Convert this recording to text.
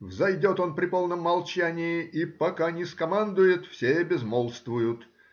Взойдет он при полном молчании и, пока не скомандует, все безмолвствуют